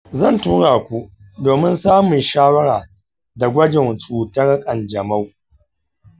zan tura ku domin samun shawara da gwajin cutar kanjamau.